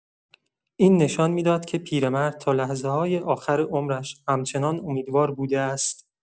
این نشان می‌داد که پیرمرد تا لحظه‌های آخر عمرش همچنان امیدوار بوده است.